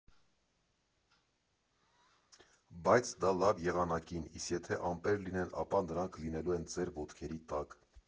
Բայց դա լավ եղանակին, իսկ եթե ամպեր լինեն, ապա նրանք լինելու են ձեր ոտքերի տակ։